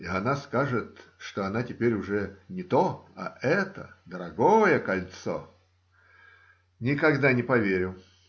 И она скажет, что она теперь уже не то, а это, дорогое кольцо? Никогда не поверю.